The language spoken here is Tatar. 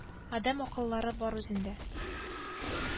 Адәм акыллары бар үзендә